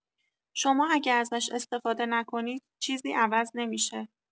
شما اگه ازش استفاده نکنید، چیزی عوض نمی‌شه